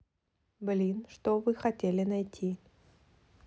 блин что вы хотели найти